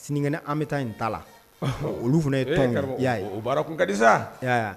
Sinigɛn an bɛ taa in ta la olu fana ye p y'a ye kadisaa